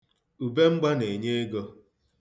Ubemgba na-enye ego.